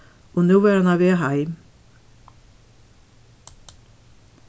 og nú var hann á veg heim